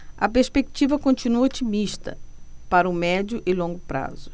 a perspectiva continua otimista para o médio e longo prazos